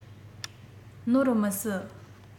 ནོར མི སྲིད